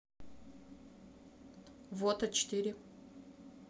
вот а четыре